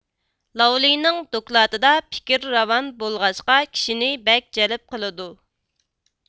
لاۋ لىنىڭ دوكلاتىدا پىكىر راۋان بولغاچقا كىشىنى بەك جەلپ قىلىدۇ